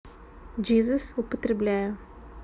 jesus употребляю